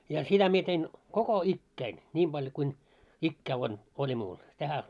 ja sitä minä tein koko ikäni niin paljon kuin ikää on oli muualla tähän -